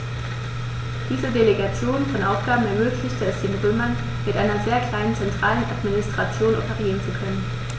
Diese Delegation von Aufgaben ermöglichte es den Römern, mit einer sehr kleinen zentralen Administration operieren zu können.